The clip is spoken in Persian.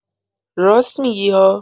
راست می‌گی ها